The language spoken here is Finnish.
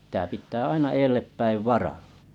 se pitää pitää aina edelle päin varalla